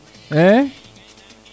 e